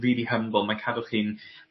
rili humble mae'n cadwch chi'n